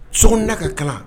Sogo da ka kalan